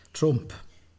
Trwmp.